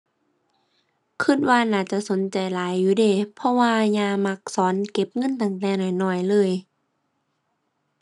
คิดว่าน่าจะสนใจหลายอยู่เดะ เพราะว่าย่ามักสอนเก็บเงินตั้งแต่น้อยน้อยเลย